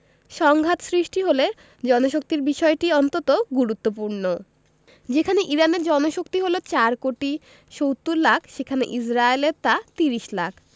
সংঘাত সৃষ্টি হলে জনশক্তির বিষয়টি অন্তত গুরুত্বপূর্ণ যেখানে ইরানের জনশক্তি হলো ৪ কোটি ৭০ লাখ সেখানে ইসরায়েলের তা ৩০ লাখ